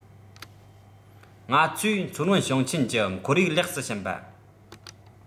ང ཚོས མཚོ སྔོན ཞིང ཆེན གྱི ཁོར ཡུག ལེགས སུ ཕྱིན པ